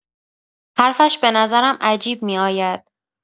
حرفش به نظرم عجیب می‌آید.